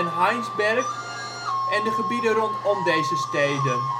Heinsberg en de gebieden rondom deze steden